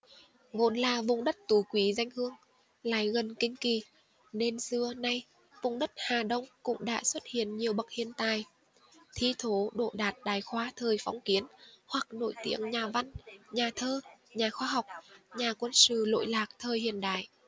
vốn là vùng đất tú quý danh hương lại gần kinh kỳ nên xưa nay vùng đất hà đông cũng đã xuất hiện nhiều bậc hiền tài thi thố đỗ đạt đại khoa thời phong kiến hoặc nổi tiếng là nhà văn nhà thơ nhà khoa học nhà quân sự lỗi lạc thời hiện đại